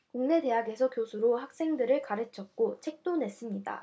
국내 대학에서 교수로 학생들을 가르쳤고 책도 냈습니다